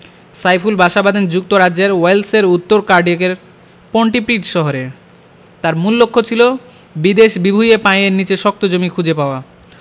সাইফুল বাসা বাঁধেন যুক্তরাজ্যের ওয়েলসের উত্তর কার্ডিকের পন্টিপ্রিড শহরে তাঁর মূল লক্ষ্য ছিল বিদেশ বিভুঁইয়ে পায়ের নিচে শক্ত জমি খুঁজে পাওয়া